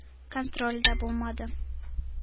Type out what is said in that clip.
Контроль дә булмады.